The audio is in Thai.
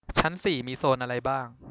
ชั้นสี่มีโซนอะไรบ้าง